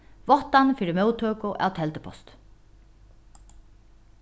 váttan fyri móttøku av telduposti